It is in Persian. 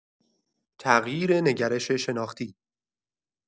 تغییر نگرش شناختی